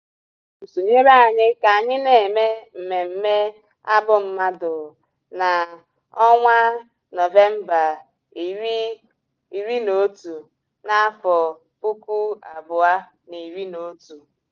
Yabụ sonyere anyị ka anyị na-eme mmeme abụmmadụ na 11/11/11.